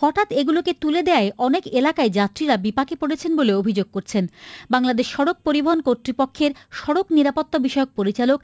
হঠাৎ এগুলোকে তুলে দেওয়ায় অনেক এলাকার যাত্রীরা বিপাকে পড়েছেন বলেও অভিযোগ করছেন বাংলাদেশ সড়ক পরিবহন কর্তৃপক্ষের সড়ক নিরাপত্তা বিষয়ক পরিচালক